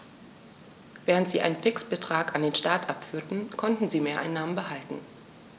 Während sie einen Fixbetrag an den Staat abführten, konnten sie Mehreinnahmen behalten.